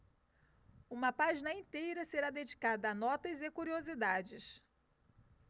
uma página inteira será dedicada a notas e curiosidades